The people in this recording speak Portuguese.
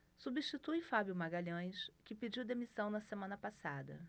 substitui fábio magalhães que pediu demissão na semana passada